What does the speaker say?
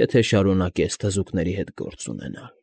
եթե շարունակես թզուկների հետ գործ ունենալ։